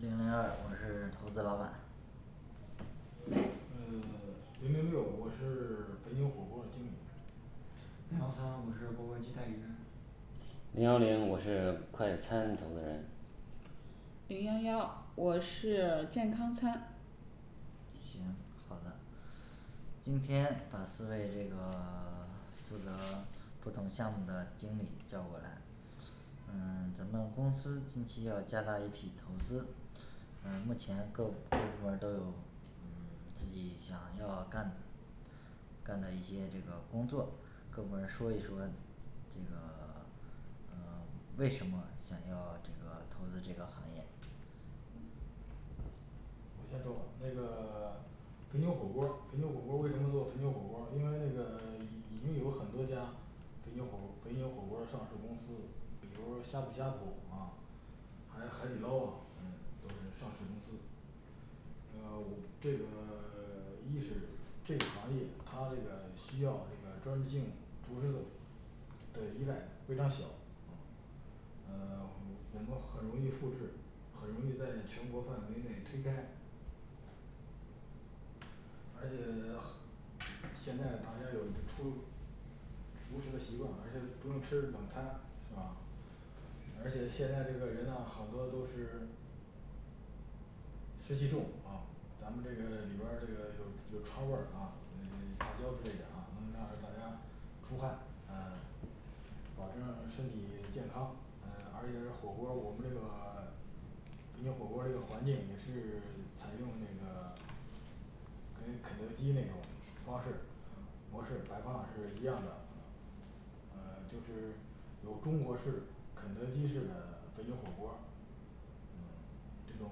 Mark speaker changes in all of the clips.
Speaker 1: 零零二，我是投资老板
Speaker 2: 呃 零零六，我是 肥牛火锅儿经理
Speaker 3: 零幺三，我是钵钵鸡代理人
Speaker 4: 零幺零，我是快餐投资人
Speaker 5: 零幺幺，我是 健康餐
Speaker 1: 行，好的 今天把四位这个 负责不同项目的经理叫过来嗯 咱们公司近期要加大一批投资呃目前各部门儿都有嗯 自己想要干干的一些这个工作各部门儿说一说，这个 呃 为什么想要这个投资这个行业？
Speaker 2: 我先说吧，那个 肥牛火锅儿，肥牛火锅儿为什么做肥牛火锅儿因为那个 已已经有很多家肥牛火肥牛火锅儿上市公司，比如呷哺呷哺啊海海底捞啊，
Speaker 1: 嗯
Speaker 2: 都是这上市公司呃 我这个 一是这个行业它这个需要这个专职性厨师的的依赖，非常小嗯呃 我我们很容易复制很容易在全国范围内推开而且 嗯现在大家有这出熟食的习惯，而且不用吃冷餐，是吧而且现在这个人啊好多都是湿气重啊咱们这个 里边儿这个有有川味儿啊，呃 辣椒之类的啊，能让大家出汗，呃 保证 身体 健康，嗯而且这火锅儿我们这个 肥牛火锅儿这个环境也是 采用那个 跟肯德基那种方式模式摆放是一样的啊呃 就是有中国式肯德基式的肥牛火锅儿嗯 这种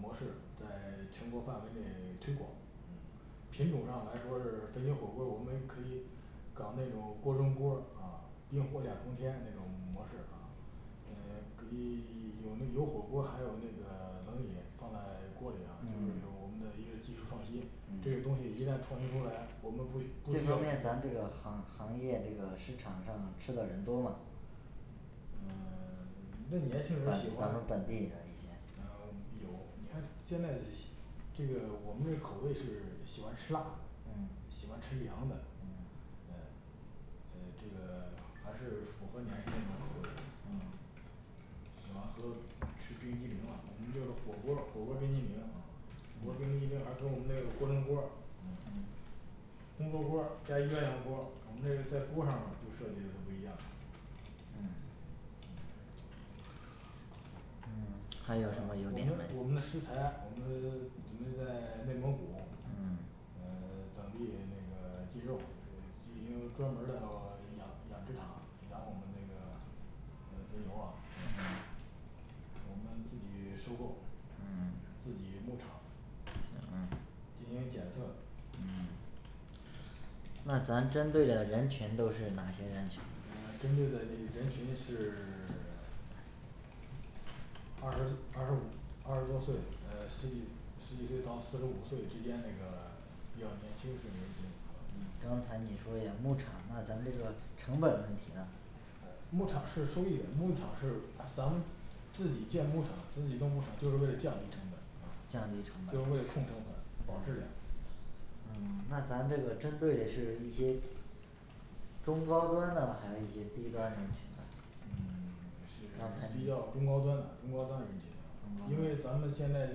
Speaker 2: 模式在 全国范围内 推广嗯品种上来说是肥牛火锅儿我们可以搞那种锅中锅儿啊，冰火两重天那种 模式啊诶 比 有那有火锅儿，还有那个 冷饮放在 锅里，就是有
Speaker 1: 嗯
Speaker 2: 我们的一个技术创新这
Speaker 1: 嗯
Speaker 2: 个东西一旦创新出来，我们不需不需
Speaker 1: 这
Speaker 2: 要
Speaker 1: 方面咱这个行行业这个市场上吃的人多吗？
Speaker 2: 嗯 那年
Speaker 1: 本
Speaker 2: 轻人喜欢
Speaker 1: 咱们本地人一些
Speaker 2: 呃 有，你看现在的喜， 这个我们这个口味是喜欢吃辣的
Speaker 1: 嗯
Speaker 2: 喜欢吃凉的
Speaker 1: 嗯
Speaker 2: 诶呃这个 还是符合年轻人的口味儿的啊
Speaker 1: 嗯
Speaker 2: 喜欢喝吃冰激凌啊，我们就是火锅儿火锅儿冰激凌啊火锅儿
Speaker 1: 嗯
Speaker 2: 冰淇淋而且我们那个锅中锅儿
Speaker 4: 嗯
Speaker 2: 锅中锅儿加鸳鸯锅儿，我们这个在锅儿上边儿就设计的就不一样
Speaker 1: 嗯嗯嗯 它有什
Speaker 2: 我们
Speaker 1: 么优点
Speaker 2: 的我们的
Speaker 1: 没。
Speaker 2: 食材，我们 准备在 内蒙古
Speaker 1: 嗯
Speaker 2: 呃 等地那个进肉，呃进行专门儿的 养养殖场，养我们那个 呃肥牛啊嗯
Speaker 1: 嗯
Speaker 2: 我们自己 收购，
Speaker 1: 嗯
Speaker 2: 自己牧场
Speaker 1: 嗯，
Speaker 2: 进行检测
Speaker 1: 嗯嗯那咱针对的人群都是哪些人群
Speaker 2: 呃针对的那人群是 二十，二十五二十多岁，呃十几，十几岁到四十五岁之间那个 比较年轻性人群
Speaker 1: 你刚才你说养牧场，那咱们这个成本问题呢？
Speaker 2: 呃牧场是收益的，牧场是咱们自己建牧场自己弄牧场就是为了降低成本
Speaker 1: 哦，降低成本
Speaker 2: 就是为了控成本保质量
Speaker 1: 嗯 那咱这个针对嘞是一些中高端呢，还是一些低端人群呢？
Speaker 2: 嗯 是
Speaker 1: 刚才
Speaker 2: 比
Speaker 1: 你
Speaker 2: 较中高端的，中高端人群的因为咱们
Speaker 1: 高端
Speaker 2: 现在就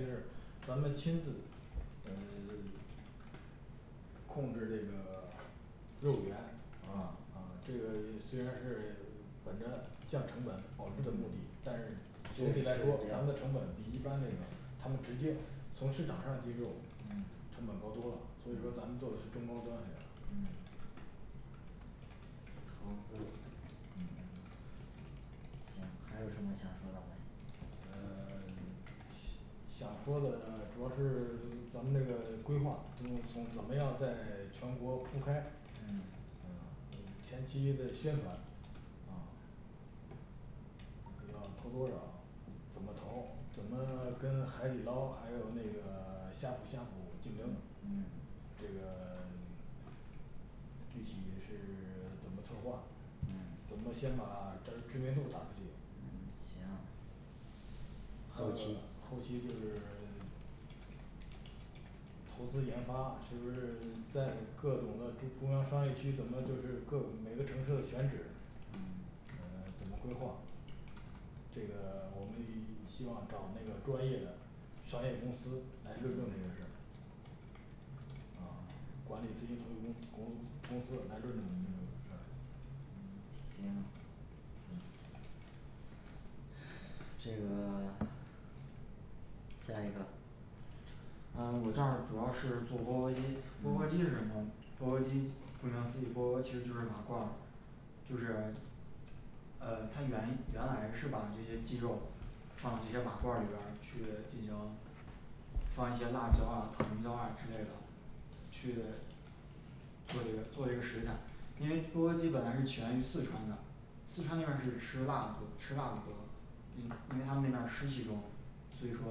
Speaker 2: 是 高端咱们亲自呃 控制这个 肉源啊啊这个 虽然是 本着降成本保质的目的但是
Speaker 1: 对，
Speaker 2: 总
Speaker 1: 就
Speaker 2: 体
Speaker 1: 是这
Speaker 2: 来
Speaker 1: 样
Speaker 2: 说咱的成本比一般那个他们直接从市场上进肉
Speaker 1: 嗯，
Speaker 2: 成本高多了所以说咱
Speaker 1: 嗯
Speaker 2: 们做的是中高端人员
Speaker 1: 嗯投资嗯
Speaker 2: 嗯
Speaker 1: 行还有什么想说的吗
Speaker 2: 呃 西 想说的 主要是 咱们那个 规划都从怎么样在全国铺开
Speaker 1: 嗯
Speaker 2: 呃嗯前期的宣传，啊 得要投多少？怎么投，怎么 跟海底捞还有那个 呷哺呷哺竞争
Speaker 1: 嗯
Speaker 2: 这个 那具体是 怎么策划
Speaker 1: 嗯
Speaker 2: 怎么先把这儿知名度打出去
Speaker 1: 嗯行
Speaker 2: 还有
Speaker 1: 后期
Speaker 2: 后期就是 投资研发是不是 在各种的中中央商业区怎么就是各每个城市的选址
Speaker 1: 嗯
Speaker 2: 呃 怎么规划这个 我们已 希望找那个专业的商业公司来论证这些事儿啊管理资金投入公公公司来论证我们这个事儿
Speaker 1: 嗯行嗯 这个 下一个
Speaker 3: 呃我这儿主要是做钵钵鸡，钵钵鸡是什
Speaker 1: 嗯
Speaker 3: 么？钵钵鸡主要是以钵其实就是瓦罐儿就是 呃他原原来是把这些鸡肉放这些瓦罐儿里边儿去进行放一些辣椒啊藤椒啊之类的，去 做这个做这个食材因为钵钵鸡本来是起源于四川的四川那边儿是吃辣的多吃辣的多，因因为他们那边儿湿气重所以说，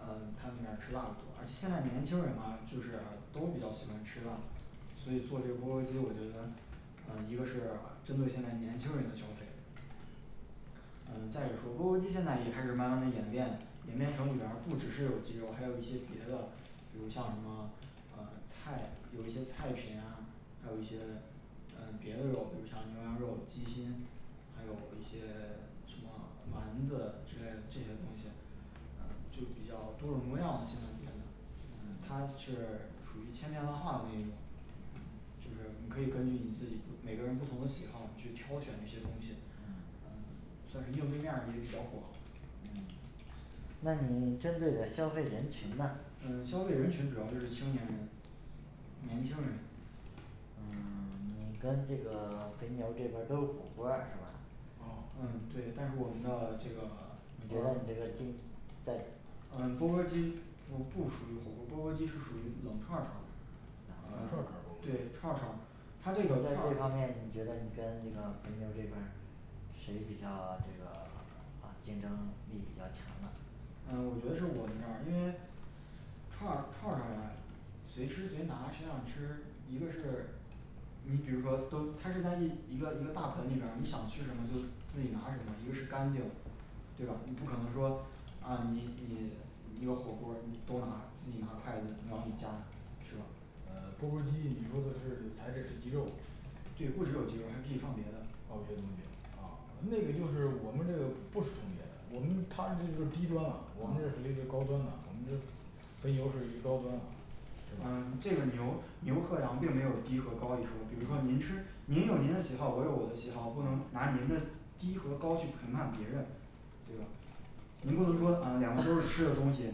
Speaker 3: 嗯 他们那边儿吃辣的多，而且现在年轻人嘛，就是都比较喜欢吃辣所以做这个钵钵鸡我觉得，呃一个是呃针对现在年轻人的消费嗯再一个说钵钵鸡现在也开始慢慢的演变，演变成里面儿不只是有鸡肉，还有一些别的比如像什么呃 菜，有一些菜品啊，还有一些呃别的肉，比如像牛羊肉鸡心还有一些 什么丸子之类的这些东西 反正就比较多种多样吧现在变的嗯 它
Speaker 1: 嗯
Speaker 3: 是 属于千变万化的那一种就是你可以根据你自己不每个人不同的喜好你去挑选这些东西呃
Speaker 1: 嗯
Speaker 3: 算是应对面儿也比较广
Speaker 1: 嗯，那你针对的消费人群呢
Speaker 3: 嗯消费人群主要就是青年人，年轻人
Speaker 1: 呃 你跟这个 肥牛这边儿都是火锅儿啊是吧？
Speaker 2: 哦
Speaker 3: 嗯对，但是我们呢这个
Speaker 1: 你觉得你这
Speaker 3: 啊
Speaker 1: 个竞在
Speaker 3: 嗯钵儿钵儿鸡不不属于火锅，钵钵鸡是属于冷串儿串儿
Speaker 2: 冷
Speaker 1: 冷
Speaker 2: 串儿串儿钵钵
Speaker 1: 串儿
Speaker 3: 对，串
Speaker 2: 鸡
Speaker 3: 串儿他这
Speaker 1: 在
Speaker 3: 个串
Speaker 1: 这
Speaker 3: 儿
Speaker 1: 方面你觉得你跟这个肥牛儿这边儿谁比较这个 啊竞争力比较强的
Speaker 3: 呃我觉得是我们这儿，因为串儿串儿串儿呀，随吃随拿谁想吃，一个是你比如说都，他是在一一个一个大盆里边儿，你想吃什么就自己拿什么，一个是干净对吧？你不可能说啊你你一个火锅儿你都拿，自己拿筷子你往里夹，是吧？
Speaker 2: 呃钵钵儿鸡你说的是材质是鸡肉
Speaker 3: 对不止有鸡肉还可以放别的
Speaker 2: 放别的东西啊 那个就是我们这个不不是重叠的，我们他属于是低端了，我们是属于是高
Speaker 1: 啊
Speaker 2: 端的，我们是肥牛属于高端啦
Speaker 3: 啊这
Speaker 2: 是吧
Speaker 3: 个牛牛和羊并没有低和高一说，比如说您吃
Speaker 2: 啊
Speaker 3: 您有您的喜好，我有我的喜好，不能
Speaker 2: 啊
Speaker 3: 拿您的低和高去评判别人，对吧您不能说啊两个都是吃的东西，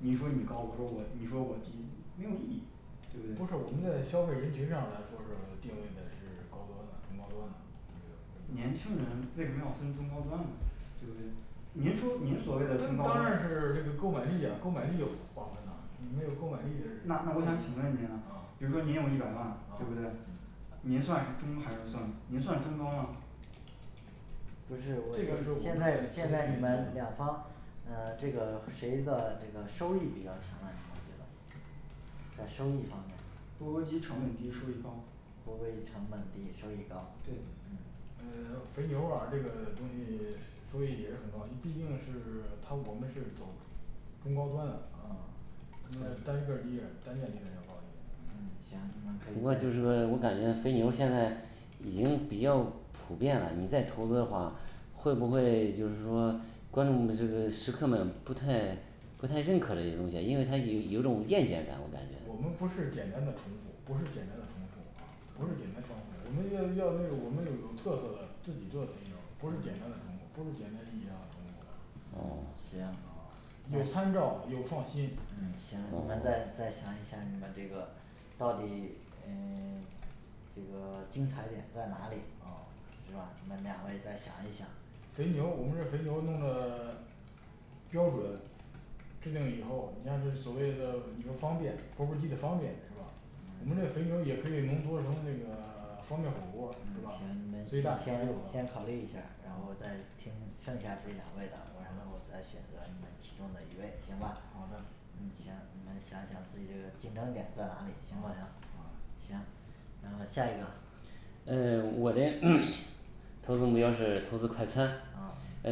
Speaker 3: 你说你高我说我你说我低没有意义对不对
Speaker 2: 不是我们在消费人群上来说是定位的是高端的中高端的这个
Speaker 3: 年
Speaker 2: 肥
Speaker 3: 轻
Speaker 2: 牛
Speaker 3: 人为什么要分中高端呢对不对您说您所谓的中
Speaker 2: 真
Speaker 3: 高端
Speaker 2: 当然是这个购买力呀购买力划分的啊你没有购买力这是
Speaker 3: 那那我想请问您啊
Speaker 2: 啊
Speaker 3: 比如说您有一百万
Speaker 2: 啊
Speaker 3: 对不对
Speaker 2: 嗯
Speaker 3: 您算是中还是算您算中高吗
Speaker 2: 这个是我们的
Speaker 3: 钵钵儿鸡成本低收益高
Speaker 1: 钵钵儿鸡成本低收益高
Speaker 3: 对
Speaker 1: 嗯
Speaker 2: 呃 肥牛儿啊这个 东西 收益也是很高你毕竟是 它我们是走中高端啊啊
Speaker 1: 嗯
Speaker 2: 他们的单个儿利润单店利润要高一点
Speaker 1: 嗯行
Speaker 2: 嗯
Speaker 1: 你们可以再
Speaker 4: 不太认可的一种原因因为他有有种厌倦感我感觉啊
Speaker 2: 我们不是简单的重复不是简单的重复啊不是简单重复，我们要要那个我们有有特色的自己做的肥牛儿，不是简单的重复，不是简单意义上的重复啊啊
Speaker 1: 行
Speaker 2: 有参照有创新
Speaker 4: 哦
Speaker 1: 这个 精彩点在哪里啊
Speaker 4: 噢
Speaker 1: 是吧？你们两位再想一想
Speaker 2: 肥牛我们这肥牛弄的标准制定以后，你像这所谓的你说方便钵钵儿鸡的方便是吧？好的
Speaker 1: 行你们想想自己这个竞争点在哪里
Speaker 2: 嗯啊
Speaker 1: 行
Speaker 2: 好
Speaker 1: 吧
Speaker 2: 的
Speaker 1: 行然后下一个啊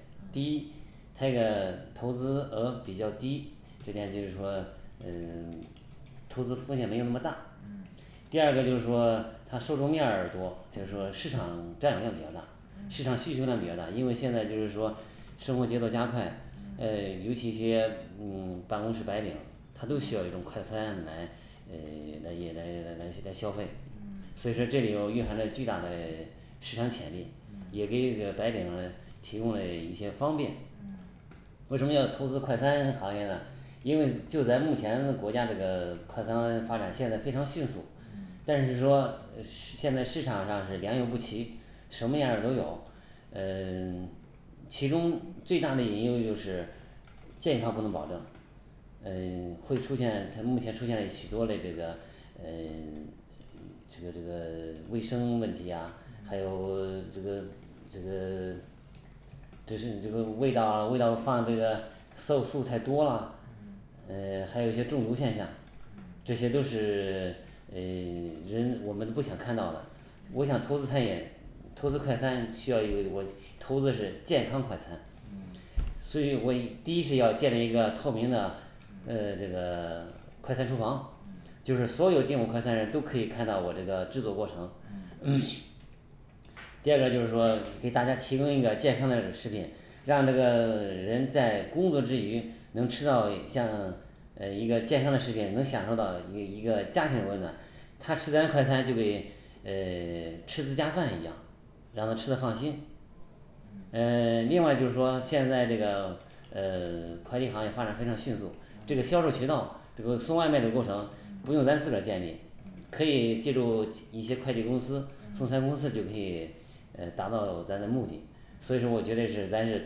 Speaker 1: 嗯
Speaker 4: 他一个投资额比较低，这点就是说嗯 投资风险没有那么大第
Speaker 2: 嗯
Speaker 4: 二个就是说他受众面儿多，就是说市场占有量比较大市
Speaker 1: 嗯
Speaker 4: 场需求量比较大，因为现在就是说 生活节奏加快，
Speaker 1: 嗯
Speaker 4: 呃 尤其一些嗯 办公室白领他都需要一种快餐来 呃 来也来来来来消费，所以
Speaker 1: 嗯
Speaker 4: 说这有蕴含了巨大的 市场潜力也
Speaker 1: 嗯
Speaker 4: 给那个白领们提供了一些方便
Speaker 1: 嗯
Speaker 4: 为什么要投资快餐行业呢？因为就咱目前国家这个快餐发展现在非常迅速，
Speaker 1: 嗯
Speaker 4: 但是说呃市现在市场上是良莠不齐，什么样儿都有嗯 其中最大的隐忧就是健康不能保证嗯 会出现像目前出现许多嘞这个嗯 嗯这个这个 卫生 问题呀，还有 这个这个 这是你这个味道味道放这个色素太多啊
Speaker 1: 嗯
Speaker 4: 呃 还有一些中毒现象
Speaker 1: 嗯，
Speaker 4: 这些都是 呃 人我们不想看到的我想投
Speaker 1: 嗯
Speaker 4: 资餐饮，投资快餐需要一个我投资的是健康快餐，
Speaker 1: 嗯
Speaker 4: 所以我第一是要建立一个透明的
Speaker 1: 嗯
Speaker 4: 呃这个 快餐厨房
Speaker 1: 嗯，
Speaker 4: 就是所有进我们快餐人都可以看到我这个制作过程
Speaker 1: 嗯
Speaker 4: 第二个就是说给大家提供一个健康的食品，让这个 人在工作之余能吃到嘞像 呃一个健康的食品，能享受到一一个家庭的温暖。他吃咱快餐就给呃 吃自家饭一样让他吃的放心
Speaker 1: 嗯
Speaker 4: 呃 另外就是说现在这个呃 快递行业发展非常迅速，这个销售渠道这个送外卖的过程不用
Speaker 1: 嗯
Speaker 4: 咱自个儿建立
Speaker 1: 嗯
Speaker 4: 可以借助一些快递公司送餐公司
Speaker 1: 嗯
Speaker 4: 就可以呃达到咱的目的，所以说
Speaker 1: 嗯
Speaker 4: 我觉得是咱是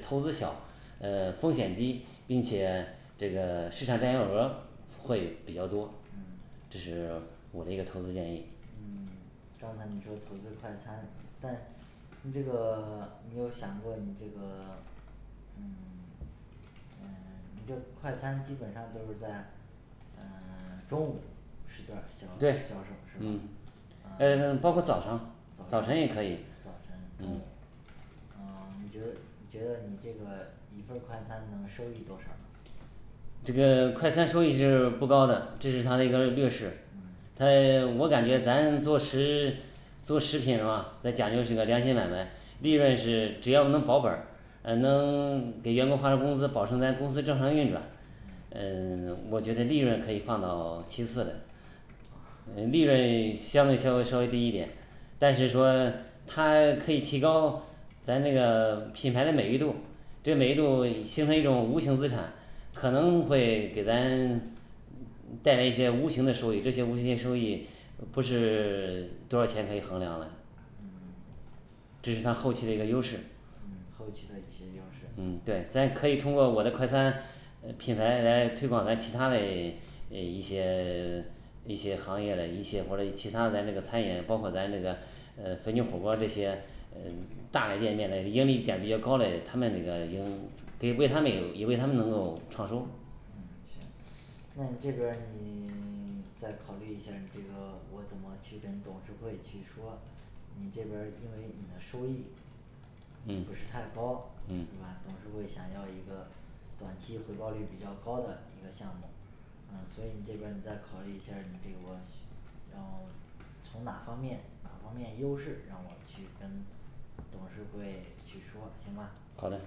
Speaker 4: 投资小，呃风险低，并且 这个 市场占有额会比较多，
Speaker 1: 嗯
Speaker 4: 这是 我的一个投资建议。
Speaker 1: 嗯 刚才你说投资快餐，但你这个 你有想过你这个 嗯 呃 你这快餐基本上都是在呃 中午时段儿销
Speaker 4: 对
Speaker 1: 销售是
Speaker 4: 嗯
Speaker 1: 吧
Speaker 4: 嗯
Speaker 1: 呃
Speaker 4: 包括早上
Speaker 1: 早
Speaker 4: 早
Speaker 1: 早
Speaker 4: 晨也
Speaker 1: 晨
Speaker 4: 可
Speaker 1: 中
Speaker 4: 以嗯
Speaker 1: 午呃 你觉得觉得你这个一份儿快餐能收益多少呢
Speaker 4: 这个 快餐收益是 不高的，这是它的一个劣势。
Speaker 1: 嗯
Speaker 4: 但 我感觉咱做食 做食品啊咱讲究是一个良心买卖，利润是只要能保本儿，呃能 给员工发了工资，保证咱公司正常运转
Speaker 1: 嗯
Speaker 4: 嗯 我觉得利润可以放到 其次了 呃利润 相对稍微稍微低一点，但是说 它可以提高咱这个 品牌的美誉度，这美誉度形成一种无形资产，可能会给咱 嗯嗯带来一些无形的收益，这些无形的收益不是 多少钱可以衡量了
Speaker 1: 嗯
Speaker 4: 这是它后期的一个优势
Speaker 1: 嗯后期的一些优势
Speaker 4: 嗯对咱也可以通过我的快餐呃品牌来推广咱其他嘞 呃一些 一些行业嘞一些或者其它咱这个餐饮，包括咱这个呃肥牛火锅这些呃大的店面的盈利点比较高嘞，他们那个盈得为他们有也为他们能够创收
Speaker 1: 嗯行。那这边儿你 再考虑一下儿你这个我怎么去跟董事会去说你这边儿因为你的收益不是
Speaker 4: 嗯
Speaker 1: 太高是
Speaker 4: 嗯
Speaker 1: 吧？董事会想要一个短期回报率比较高的一个项目啊所以你这边你再考虑一下儿，你给我细 让 从哪方面哪方面优势让我去跟董事会去说，行吧
Speaker 4: 好的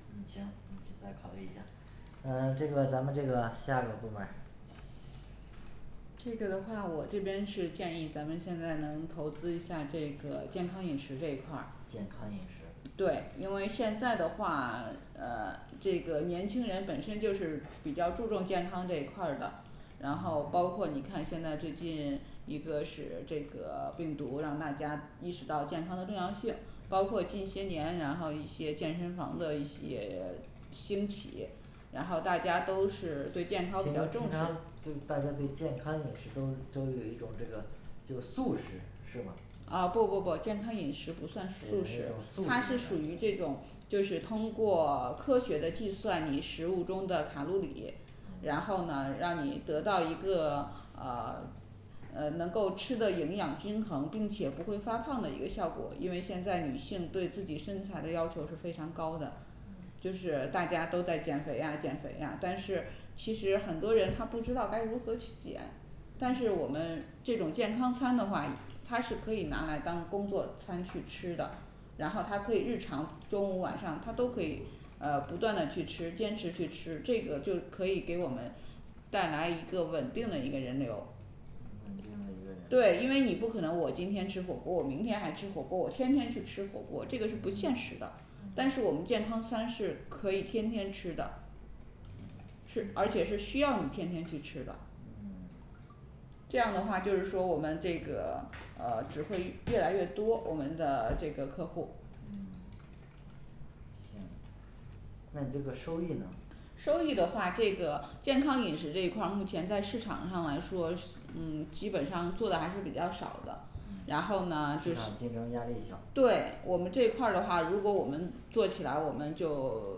Speaker 1: 嗯行，嗯你再考虑一下儿呃这个咱们这个下一个部门儿
Speaker 5: 这个的话我这边是建议咱们现在能投资一下这个健康饮食这一块儿。
Speaker 1: 健康饮食
Speaker 5: 对，因为现在的话 呃 这个年轻人本身就是比较注重健康这块儿的然后包括你看现在最近 一个是这个 病毒让大家意识到健康的重要性，包括近些年，然后一些健身房的一些 兴起然后大家都是对健康比较重视啊不不不健康饮食不算是素食，它是属于这种就是通过 科学的计算你食物中的卡路里然
Speaker 1: 嗯
Speaker 5: 后呢让你得到一个 呃 呃能够吃得营养均衡，并且不会发胖的一个效果，因为现在女性对自己身材的要求是非常高的
Speaker 1: 嗯
Speaker 5: 就是大家都在减肥呀减肥呀，但是其实很多人他不知道该如何去减但是我们这种健康餐的话，它是可以拿来当工作餐去吃的然后他可以日常中午晚上他都可以呃不断的去吃，坚持去吃，这个就可以给我们带来一个稳定的一个人流儿
Speaker 1: 稳定的一个人
Speaker 5: 对，
Speaker 1: 流
Speaker 5: 因为你不可能我今天吃火锅，我明天还吃火锅，我天天去吃火锅，这个是不
Speaker 1: 嗯
Speaker 5: 现实的，但
Speaker 1: 嗯
Speaker 5: 是我们健康餐是可以天天吃的是而且是需要你天天去吃的
Speaker 1: 嗯
Speaker 5: 这样的话就是说我们这个 呃只会越来越多我们的这个客户
Speaker 1: 嗯行那你这个收益呢？
Speaker 5: 收益的话，这个健康饮食这一块儿目前在市场上来说是嗯基本上做的还是比较少
Speaker 1: 嗯
Speaker 5: 的然后呢
Speaker 1: 市
Speaker 5: 对是
Speaker 1: 场竞争压力小
Speaker 5: 对我们这一块儿的话如果我们做起来我们就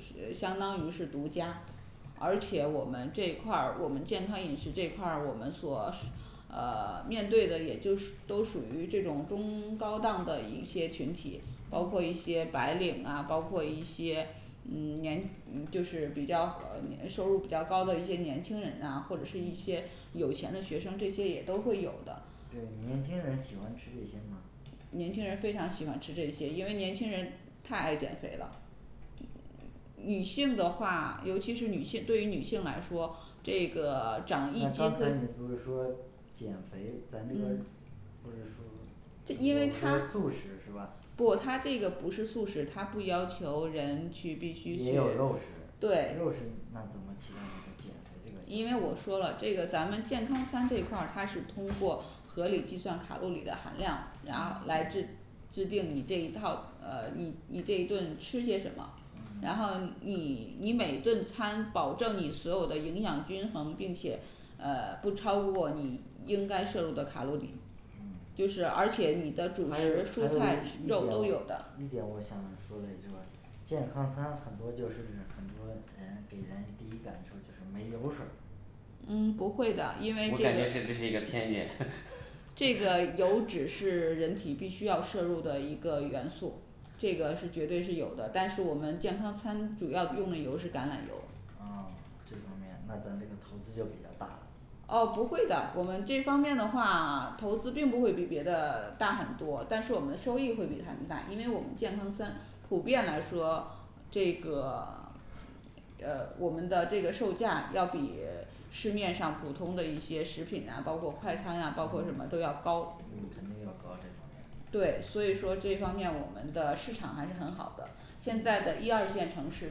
Speaker 5: 是呃相当于是独家，而且我们这块儿我们健康饮食这块儿我们所是呃 面对的也就属都属于这种中高档的一些群体，包括一些白领啊，包括一些嗯年嗯就是比较呃年收入比较高的一些年轻人啊，或者是一些有钱的学生，这些也都会有的
Speaker 1: 对，年轻人喜欢吃这些吗？
Speaker 5: 年轻人非常喜欢吃这些，因为年轻人太爱减肥了女性的话，尤其是女性对于女性来说这个 长一
Speaker 1: 那
Speaker 5: 斤
Speaker 1: 刚才你不是说减肥咱这个
Speaker 5: 嗯
Speaker 1: 不是说
Speaker 5: 这因
Speaker 1: 如我
Speaker 5: 为它
Speaker 1: 说素食是吧
Speaker 5: 不它这个不是素食，它不要求人去必须去
Speaker 1: 也有肉吃
Speaker 5: 对
Speaker 1: 肉食那怎么去提高减肥这个
Speaker 5: 因
Speaker 1: 效
Speaker 5: 为
Speaker 1: 果
Speaker 5: 我说了这个咱们健康餐这块儿，它是通过合理计算卡路里的含量，然来制制定你这一套呃你你这一顿吃些什么然
Speaker 1: 嗯
Speaker 5: 后你 你每顿餐保证你所有的营养均衡，并且呃 不超过你应该摄入的卡路里就
Speaker 1: 嗯
Speaker 5: 是而且你的主食蔬菜肉都有的
Speaker 1: 健康餐很多就是很多人给人第一感受就是没油水儿
Speaker 5: 嗯不会的因为就
Speaker 4: 我感觉这只是一个偏见
Speaker 5: 这个油脂是 人体必须要摄入的一个元素这个是绝对是有的，但是我们健康餐主要用的油是橄榄油
Speaker 1: 啊这方面那咱这个投资就比较大了
Speaker 5: 呃不会的，我们这方面的话 投资并不会比别的 大很多，但是我们的收益会比他们大，因为我们健康餐普遍来说这个 呃我们的这个售价要比 市面上普通的一些食品啊，包括快餐啊，包括什么都要高
Speaker 1: 嗯肯定要高这方面
Speaker 5: 对，所以说这方面我们的市场还是很好的，现在的
Speaker 1: 嗯
Speaker 5: 一二线城市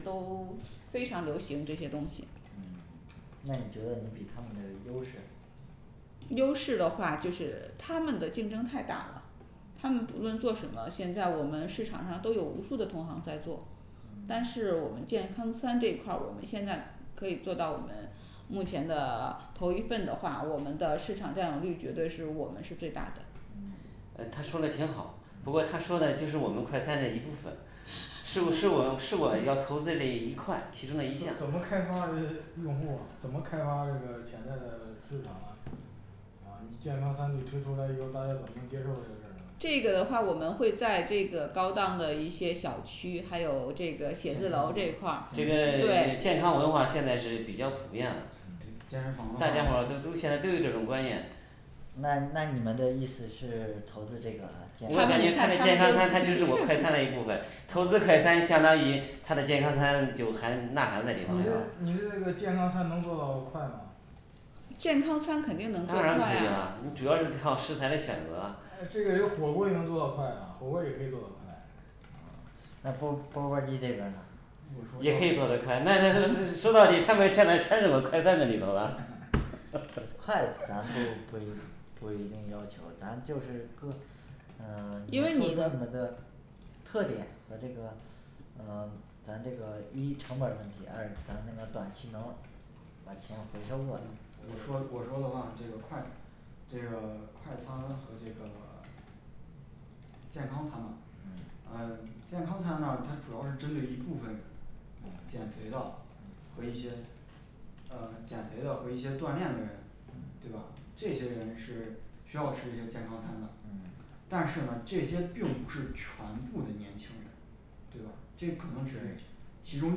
Speaker 5: 都 非常流行这些东西
Speaker 1: 嗯 那你觉得你比他们的优势
Speaker 5: 优势的话就是 他们的竞争太大了，他们不论做什么，现在我们市场上都有无数的同行在做但
Speaker 1: 嗯
Speaker 5: 是我们健康餐这一块儿，我们现在可以做到我们目前的 头一份的话，我们的市场占有率绝对是我们是最大的
Speaker 4: 呃她
Speaker 1: 嗯
Speaker 4: 说嘞挺好不过她说嘞就是我们快餐的一部分 是是我们是我要投资嘞一块其中的一项
Speaker 2: 啊你健康餐你推出来以后，大家怎么能接受这个事儿呢
Speaker 5: 这个的话我们会在这个高档的一些小区，还有这
Speaker 3: 健身
Speaker 5: 个写字楼
Speaker 3: 房
Speaker 5: 这块儿对
Speaker 3: 健身房
Speaker 4: 我
Speaker 5: 他们看他们
Speaker 4: 感觉她的健康餐它就是
Speaker 5: 说
Speaker 4: 我快餐 的一部分投资快餐相当于她的健康餐就含纳含在
Speaker 2: 你那
Speaker 4: 里
Speaker 2: 你
Speaker 4: 面了
Speaker 2: 的那个健康餐能做到快吗
Speaker 5: 健康餐肯定能做
Speaker 4: 当
Speaker 5: 快
Speaker 4: 然不是
Speaker 5: 啊
Speaker 4: 了你主要是依靠食材来选择
Speaker 2: 呃这个是火锅也能做到快啊火锅也能做到快啊
Speaker 1: 那钵钵钵鸡这个呢
Speaker 3: 我说要
Speaker 4: 也可以做到快那那那那说到底他们下来全整到快餐里头了
Speaker 1: 快咱不不一不一定要求咱就是各呃 你
Speaker 5: 因为
Speaker 1: 们说出
Speaker 5: 你
Speaker 1: 你
Speaker 5: 的
Speaker 1: 们的特点和这个呃 咱这个一成本儿问题，二是咱们那个短期能把钱回收过来
Speaker 3: 我说
Speaker 2: 嗯
Speaker 3: 我说的话这个快这个 快餐和这个 健康餐嘛
Speaker 1: 嗯
Speaker 3: 呃 健康餐呢它主要是针对一部分
Speaker 1: 嗯
Speaker 3: 减肥的和
Speaker 1: 嗯
Speaker 3: 一些呃减肥的和一些锻炼的人，
Speaker 1: 嗯
Speaker 3: 对吧？这些人是需要吃一些健康餐的，
Speaker 1: 嗯
Speaker 3: 但是呢这些并不是全部的年轻人对吧？这可能只是
Speaker 1: 对
Speaker 3: 其中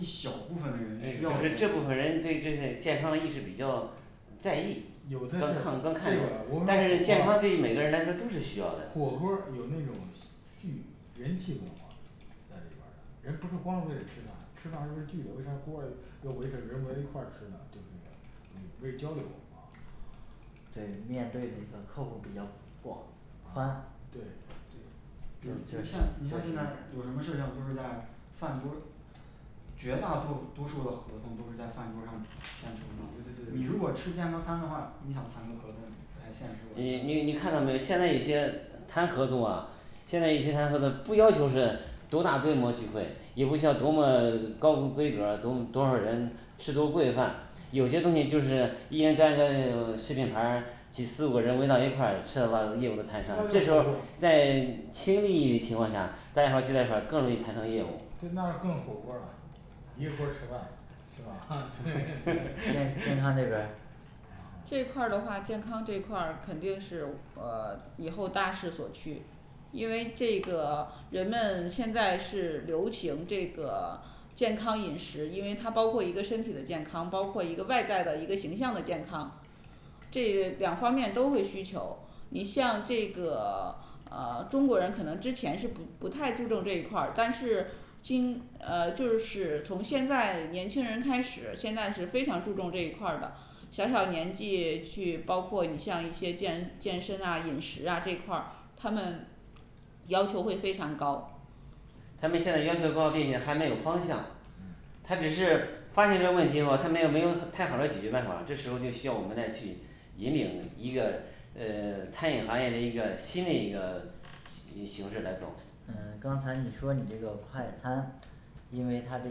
Speaker 3: 一小部分的人
Speaker 4: 呃
Speaker 3: 需要
Speaker 4: 我觉得这部分人对这些健康的意识比较在意很可能更看重它是健康对于每个人来说都是需要的
Speaker 2: 在里边儿了人不是光是为了吃饭吃饭是为了聚的，为啥锅要围着人围在一块儿吃呢，就是这个东西为交流啊，
Speaker 1: 对面对那个客户儿比较广宽
Speaker 2: 啊对
Speaker 3: 对比如就是你像现在有什么事情都是在饭桌儿绝大多多数的合同都是在饭桌儿上签署
Speaker 2: 对对对
Speaker 3: 的，你如果吃
Speaker 2: 对
Speaker 3: 健康餐的话，你想谈个合同不太现实我觉
Speaker 4: 你你你看到没？现
Speaker 3: 得
Speaker 4: 在有些谈合同啊现在一提谈合同不要求是多大规模聚会，也不需要多么 高规格多多少人 吃多贵饭，有些东西就是一人端个 食品盘儿挤四五个人围到一块儿吃的话那么业务就
Speaker 2: 那是火锅
Speaker 4: 谈成了，这时候在轻利益的情况下，大家伙儿聚在一块儿更容易谈成业务
Speaker 2: 对那是更火锅儿啦一个锅儿吃饭是吧哈
Speaker 1: 健健 康这边儿
Speaker 5: 这
Speaker 2: 啊
Speaker 5: 一块儿的话健康这块儿肯定是呃 以后大势所趋因为这个 人们现在是流行这个 健康饮食，因为它包括一个身体的健康，包括一外在的一个形象的健康这 两方面都会需求，你像这个 呃中国人可能之前是不不太注重这一块儿，但是今啊就是从现在的年轻人开始，现在是非常注重这一块儿的小小年纪，去包括你像一些健健身啊饮食啊这一块儿他们要求会非常高
Speaker 4: 他们现在要求高，并且还没有方向
Speaker 1: 嗯
Speaker 4: 他只是发现这问题以后，他们也没有太好的解决办法，这时候就需要我们来去引领一个呃 餐饮行业的一个新的一个 一个形式来走
Speaker 1: 嗯刚才你说你这个快餐，因为他这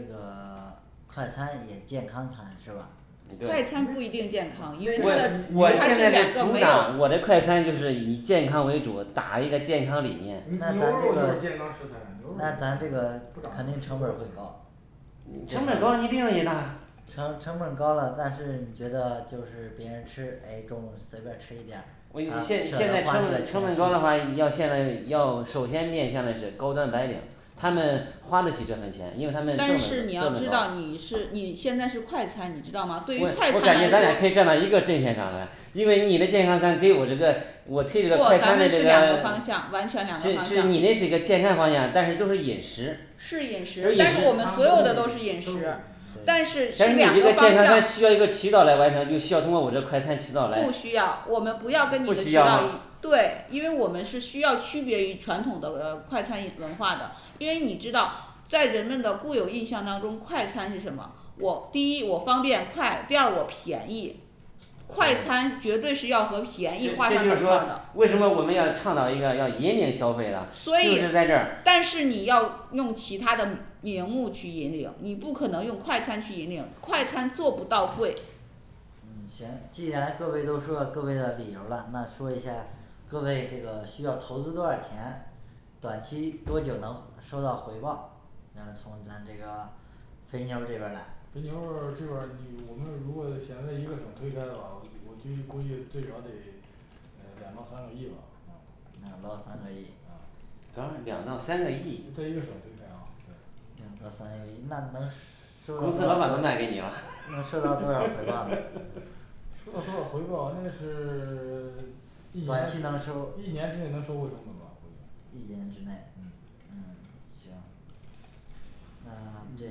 Speaker 1: 个 快餐也健康餐是吧
Speaker 4: 对
Speaker 2: 那个
Speaker 4: 行政是
Speaker 2: 牛肉
Speaker 4: 主打我的快餐就是以健康为主打一个健康理
Speaker 2: 嗯牛肉就是健康食材牛肉就是健康食材
Speaker 4: 念
Speaker 2: 不长肉
Speaker 4: 嗯成本高你利润也大我跟你现现在成本成本高的话一定要现在要首先面向的是高端白领他们花的起这个钱因为他们挣得多挣得多我我感觉咱俩可以站到一个阵线上来，因为你的健康餐给我这个
Speaker 5: 不
Speaker 4: 我推这个快
Speaker 5: 咱
Speaker 4: 餐
Speaker 5: 们
Speaker 4: 的
Speaker 5: 是
Speaker 4: 这
Speaker 5: 两
Speaker 4: 个
Speaker 5: 个方向完全两个
Speaker 4: 是
Speaker 5: 方
Speaker 4: 是
Speaker 5: 向
Speaker 4: 你那是个健康方向但是都是饮食
Speaker 5: 是饮食但是我们所有的都是饮食但是
Speaker 1: 对
Speaker 5: 是两个方向不需要我们不要跟你的渠道对因为我们是需要区别于传统的呃快餐文化的因为你知道在人们的固有印象当中快餐是什么？我第一我方便快，第二我便宜快餐绝对是要和
Speaker 4: 这
Speaker 5: 便宜画
Speaker 4: 这
Speaker 5: 上
Speaker 4: 就
Speaker 5: 等
Speaker 4: 是
Speaker 5: 号
Speaker 4: 说
Speaker 5: 的
Speaker 4: 为什么我们要倡导一个要引领消费呢
Speaker 5: 所
Speaker 4: 就
Speaker 5: 以
Speaker 4: 是在这儿
Speaker 5: 但是你要用其他的名目去引领你不可能用快餐去引领快餐做不到贵
Speaker 1: 肥牛这边儿来
Speaker 2: 肥牛儿这边儿你我们如果想在一个省推开的话我我觉得估计最少得呃两到三个亿吧
Speaker 1: 两
Speaker 2: 啊
Speaker 1: 到
Speaker 2: 啊
Speaker 1: 三个亿
Speaker 4: 咱们两到三个
Speaker 2: 在一
Speaker 4: 亿
Speaker 2: 个省推开啊对
Speaker 1: 两到三个亿那能收
Speaker 4: 公
Speaker 1: 到
Speaker 4: 司老板都
Speaker 1: 多
Speaker 4: 卖给你啦
Speaker 1: 能收到多少回报呢能收
Speaker 2: 收到多少回报那就是 一年之一年之内能收回成本吧估计
Speaker 1: 那
Speaker 3: 嗯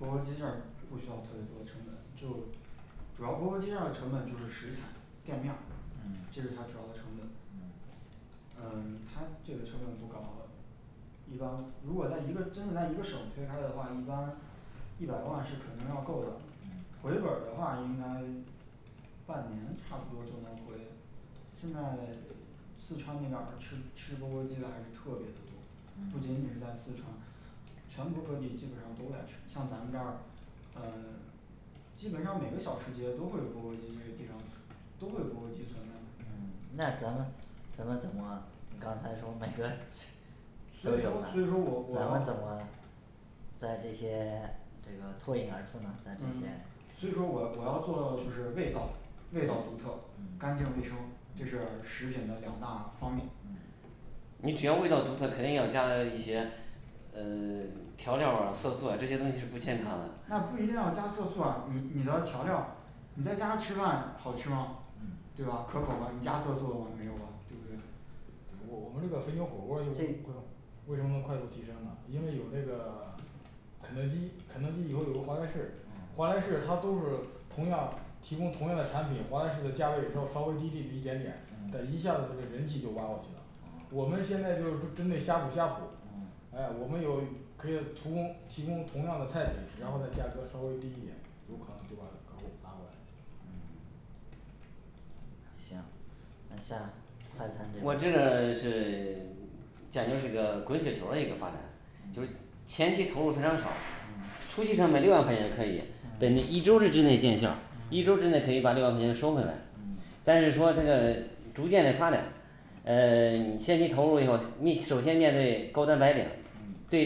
Speaker 1: 这
Speaker 3: 钵鸡这儿不需要特别多的成本，就主要钵钵鸡这儿的成本就是食材店面儿，
Speaker 1: 嗯
Speaker 3: 这是它主要的成本
Speaker 1: 嗯
Speaker 3: 嗯 它这个成本不高一般如果在一个真的在一个省推开的话，一般一百万是肯定要够的。
Speaker 5: 嗯
Speaker 3: 回本儿的话应该半年差不多就能回。现在 四川那边儿吃吃钵钵鸡的还是特别的多，不仅仅是在四川，全国各地基本上都在吃，像咱们这儿呃 基本上每个小吃街都会有钵钵鸡这个这种都会有钵钵鸡存在
Speaker 1: 嗯那咱们咱们怎么你刚才说每个 都
Speaker 3: 所以说
Speaker 1: 有了
Speaker 3: 所以说我我要
Speaker 1: 咱们怎么在这些 这个脱颖而出呢，在这些
Speaker 3: 嗯所以说我我要做到的就是味道，味道独特，
Speaker 1: 嗯
Speaker 3: 干净卫生，这是
Speaker 1: 嗯
Speaker 3: 食品的两大方面
Speaker 1: 嗯
Speaker 4: 你只要味道独特，肯定要加 一些呃 调料儿啊色素啊，这些东西是不健康的
Speaker 3: 那不一定要加色素啊你你的调料儿你在家吃饭好吃吗？
Speaker 1: 嗯
Speaker 3: 对吧？可口吗你加色素了吗没有吧对不对
Speaker 2: 对我我们这个肥牛火锅儿就会
Speaker 1: 这
Speaker 2: 为什么能快速提升呢？因为有这个 肯德基肯德基以后有个华莱士
Speaker 1: 啊
Speaker 2: 华莱士它都是同样提供同样的产品，华莱士的价位稍稍微低那一点点，但
Speaker 1: 呃
Speaker 2: 一下子这人气就挖过去了
Speaker 1: 啊
Speaker 2: 我们现在就是针针对呷哺呷
Speaker 1: 啊
Speaker 2: 哺哎我们有可以图供提供同样的菜品，然后再价
Speaker 1: 嗯
Speaker 2: 格稍微低一点，有可能就把
Speaker 1: 嗯
Speaker 2: 客户拉过来
Speaker 1: 嗯行那下快餐这边
Speaker 4: 我这
Speaker 1: 儿
Speaker 4: 个 是， 讲究是一个滚雪球儿的一个发展就是
Speaker 1: 嗯嗯嗯嗯嗯嗯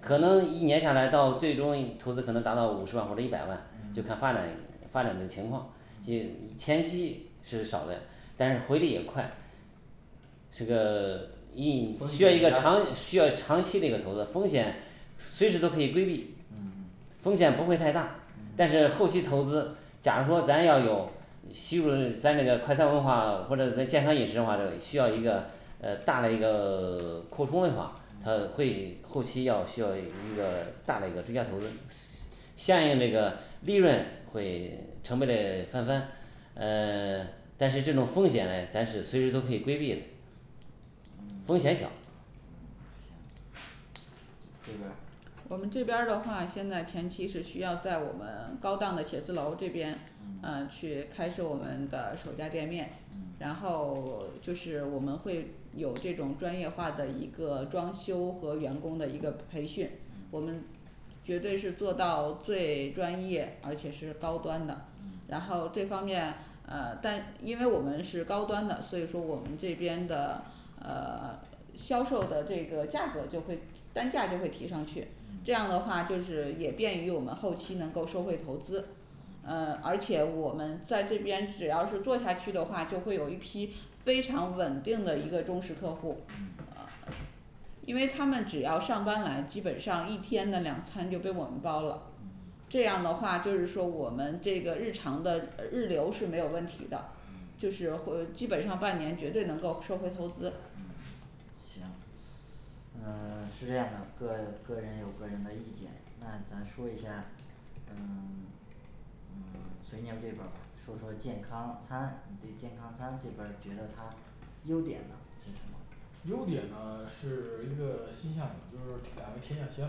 Speaker 4: 可能一年下来到最终投资可能达到五十万或者一百万，就看
Speaker 1: 嗯
Speaker 4: 发展发展的情况。
Speaker 1: 嗯
Speaker 4: 也前期是少嘞，但是回的也快这个
Speaker 1: 风险你
Speaker 4: 应需要一个长需要长期的一个投资风险，随时都可以规避
Speaker 1: 嗯，
Speaker 4: 风险不会太大，但
Speaker 1: 嗯
Speaker 4: 是后期投资假如说咱要有呃大的一个 扩充的话它会后期要需要一一个 大的一个追加投资相应那个利润会成倍的翻番，呃 但是这种风险咱是随时都可以规避的，
Speaker 1: 嗯
Speaker 4: 风险小
Speaker 1: 嗯行这边儿
Speaker 5: 我们这边儿的话，现在前期是需要在我们 高档的写字楼这边呃
Speaker 1: 嗯
Speaker 5: 去开设我们的首家店面，
Speaker 1: 嗯
Speaker 5: 然后 就是我们会有这种专业化的一个装修和员工的一个培训，我
Speaker 1: 嗯
Speaker 5: 们绝对是做到最专业，而且是高端的，
Speaker 1: 嗯
Speaker 5: 然后这方面啊但因为我们是高端的，所以说我们这边的呃 销售的这个价格就会单价就会提上去，这样
Speaker 1: 嗯
Speaker 5: 的话就是也便于我们后期能够收回投资
Speaker 1: 嗯
Speaker 5: 呃而且我们在这边只要是做下去的话，就会有一批非常稳定的一个忠实客户呃
Speaker 1: 嗯
Speaker 5: 因为他们只要上班来，基本上一天的两餐就被我们包了
Speaker 1: 嗯
Speaker 5: 这样的话就是说我们这个日常的呃日流是没有问题的，就
Speaker 1: 嗯
Speaker 5: 是会基本上半年绝对能够收回投资
Speaker 1: 嗯行嗯 是这样的，个个人有个人的意见那咱说一下嗯 嗯 肥牛这边儿吧说说健康餐，你对健康餐这边儿觉得它优点呢是什么
Speaker 2: 优点呢 是 一个 新项目就是敢为天下先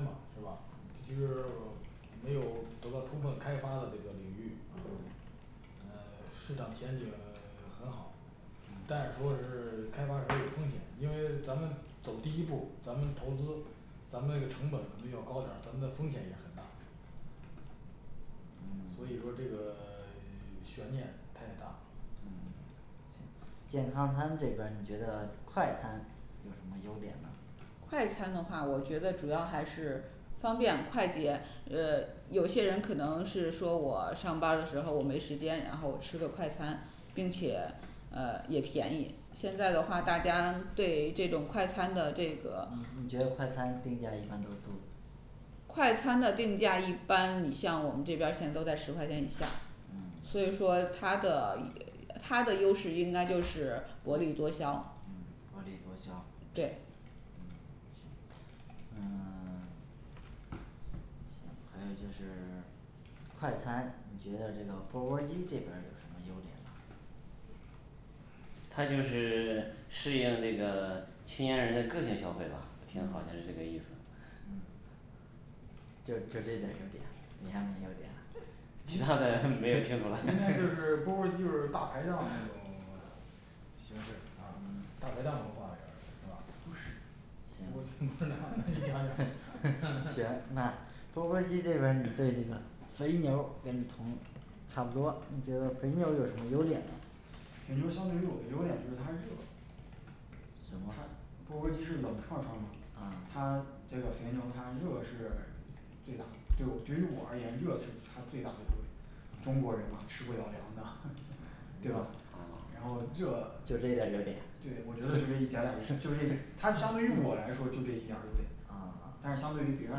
Speaker 2: 嘛是吧毕竟是 没有得到充分开发的这个领域啊
Speaker 1: 嗯
Speaker 2: 呃 市场前景 很好但是说是 开发时候有风险，因为咱们走第一步，咱们投资咱们那个成本可能要高点儿，咱们的风险也很大所以说
Speaker 1: 嗯
Speaker 2: 这个 悬念太大
Speaker 1: 嗯健康餐这边儿你觉得快餐有什么优点呢
Speaker 5: 快餐的话我觉得主要还是方便快捷，呃有些人可能是说我上班的时候我没时间，然后吃个快餐并且呃也便宜现在的话大家对于这种快餐的这个
Speaker 1: 你你觉得快餐定价一般都多
Speaker 5: 快餐的定价一般你像我们这边儿现在都在十块钱以下，
Speaker 1: 嗯
Speaker 5: 所以说它的一 它的优势应该就是薄利多
Speaker 1: 嗯
Speaker 5: 销
Speaker 1: 薄利多销
Speaker 5: 对
Speaker 1: 嗯行嗯 行还有就是 快餐你觉得这个钵钵鸡这边儿有什么优点呢
Speaker 4: 他就是 适应这个 青年人的个性消费吧听好像是
Speaker 1: 嗯
Speaker 4: 这个意思
Speaker 1: 嗯就就这点儿优点底下没优点啦
Speaker 4: 其他的没有听出来
Speaker 2: 应应该就是钵钵鸡就是大排档这 种 形式啊大
Speaker 1: 嗯
Speaker 2: 排档的话也是吧
Speaker 3: 不是
Speaker 1: 行 行那钵钵鸡这边儿你对这个肥牛儿跟你同差不多你觉得肥牛有什么优点呢
Speaker 3: 肥牛相对于我的优点就是它热
Speaker 1: 什
Speaker 3: 它钵儿
Speaker 1: 么
Speaker 3: 钵儿鸡是冷串儿串儿嘛
Speaker 1: 啊
Speaker 3: 它这个肥牛它热是 最大对我对于我而言热是它最大的优点中国人嘛吃不了凉的 对吧
Speaker 2: 啊
Speaker 3: 然后热对我觉得就这一点点儿优就这它相对于我来说就这一点儿优点
Speaker 1: 啊
Speaker 3: 但是相对于别人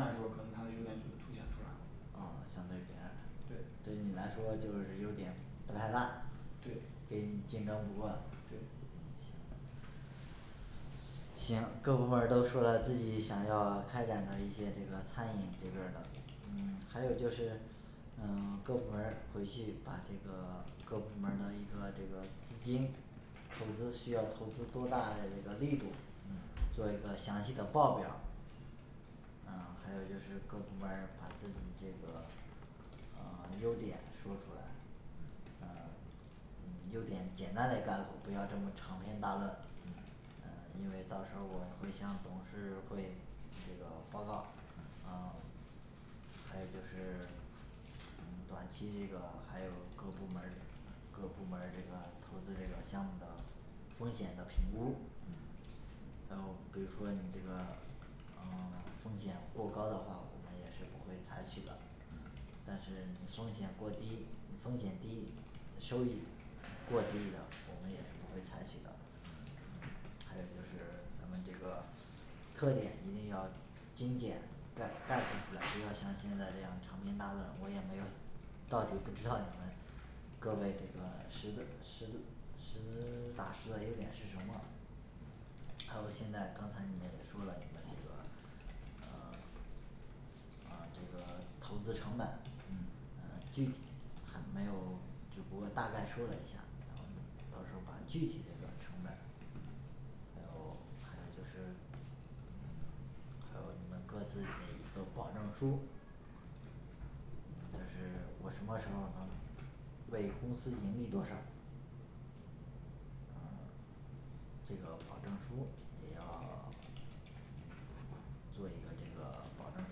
Speaker 3: 来说可能它的优点就凸显出来了
Speaker 1: 啊相对别人来对
Speaker 3: 对
Speaker 1: 你来说就是优点不太大
Speaker 3: 对
Speaker 1: 给你竞争不过
Speaker 3: 对
Speaker 1: 嗯行行，各部门儿都说了，自己想要开展的一些这个餐饮这边儿的，嗯还有就是呃 各部门儿回去把这个 各部门儿的一个这个资金投资需要投资多大的一个力度，
Speaker 2: 嗯
Speaker 1: 做一个详细的报表儿呃还有就是各部门儿把自己这个呃优点说出来
Speaker 4: 嗯
Speaker 1: 呃嗯优点简单嘞概况，不要这么长篇大论
Speaker 4: 嗯
Speaker 1: 呃，因为到时候儿我会向董事会提这个报告
Speaker 4: 嗯
Speaker 1: 呃还有就是 嗯短期这个还有各部门儿各部门儿这个投资这个项目的风险的评估
Speaker 2: 嗯
Speaker 1: 然后比如说你这个呃 风险过高的话，我们也是不会采取的
Speaker 2: 嗯
Speaker 1: 但是你风险过低，风险低收益过低的我们也不会采取的
Speaker 2: 嗯
Speaker 1: 嗯还有就是咱们这个特点一定要精简概概括出来不要像现在这样长篇大论，我也没有到底不知道你们各位这个实实实 打实的优点是什么
Speaker 2: 嗯
Speaker 1: 还有现在刚才你们也说了你们这个呃 呃这个 投资成本嗯
Speaker 2: 嗯
Speaker 1: 具体还没有， 只不过大概说了一下，然后
Speaker 5: 嗯
Speaker 1: 到时候儿把具体这个成本还有还有就是嗯 还有你们各自写一个保证书嗯就是我什么时候儿能为公司盈利多少嗯 这个保证书也要 做一个这个 保证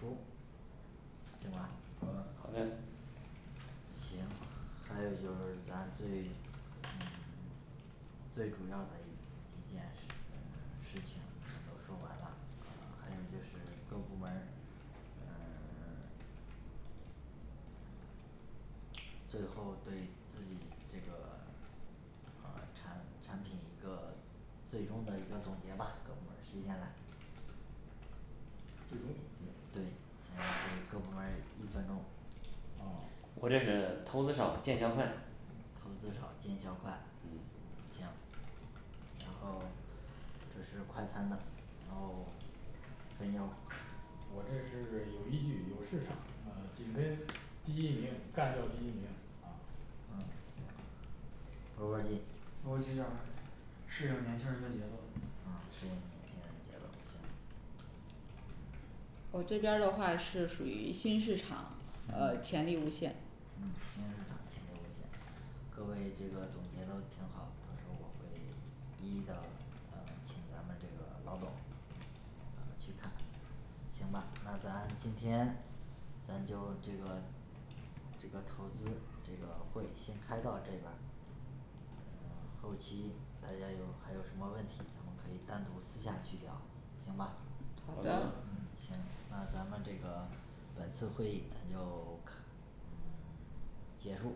Speaker 1: 书 行吧
Speaker 2: 好的
Speaker 4: 好嘞
Speaker 1: 行。还有就是咱最嗯 最主要的一一件事呃 事情咱都说完了。呃还有就是各部门儿嗯 最后对自己这个 呃产产品一个最终的一个总结吧，各部门儿谁先来
Speaker 2: 最终总
Speaker 1: 对
Speaker 2: 结
Speaker 1: 嗯给各部门儿一分钟
Speaker 4: 我
Speaker 2: 啊
Speaker 4: 这是投资少见效快
Speaker 1: 投资少见效快嗯
Speaker 4: 嗯
Speaker 1: 行然后这是快餐的然后 肥牛
Speaker 2: 我这是 有依据有市场呃紧跟第一名干掉第一名啊
Speaker 3: 钵钵鸡这儿适应年轻人的节奏
Speaker 1: 啊适应年轻人的节奏行
Speaker 5: 我这边儿的话是属于新市场呃
Speaker 1: 嗯
Speaker 5: 潜力无限
Speaker 1: 嗯新市场潜力无限各位这个总结都挺好，到时候我会一一的呃请咱们这个老总呃去看行吧那咱今天咱就这个这个投资这个会先开到这边儿呃 后期大家又还有什么问题咱们可以单独私下去聊行吧
Speaker 4: 好
Speaker 2: 好
Speaker 4: 的
Speaker 2: 的
Speaker 1: 嗯行那咱们这个本次会议咱就 卡 嗯 结束